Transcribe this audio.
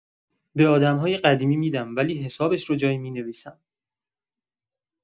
به آدم‌های قدیمی می‌دم، ولی حسابش رو جایی می‌نویسم.